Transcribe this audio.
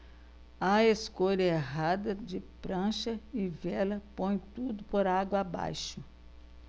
a escolha errada de prancha e vela põe tudo por água abaixo